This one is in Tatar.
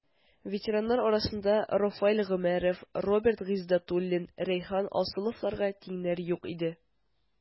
Ветераннар арасында Рафаэль Гомәров, Роберт Гыйздәтуллин, Рәйхан Асыловларга тиңнәр юк иде.